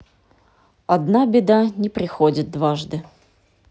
одна беда не приходит дважды